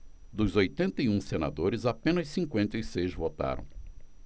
dos oitenta e um senadores apenas cinquenta e seis votaram